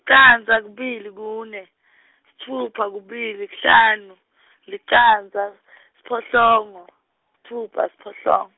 candza, kubili, kune, sitfupha, kubili, kuhlanu, licandza, siphohlongo, sitfupha, siphohlong-.